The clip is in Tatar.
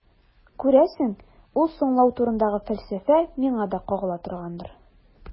Күрәсең, ул «соңлау» турындагы фәлсәфә миңа да кагыла торгандыр.